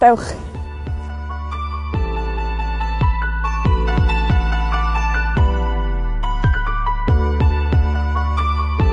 dewch.